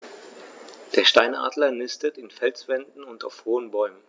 Der Steinadler nistet in Felswänden und auf hohen Bäumen.